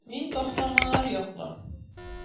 Мин ташламалар яклы.